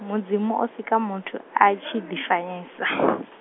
Mudzimu o sika muthu, a tshi ḓi fanyisa.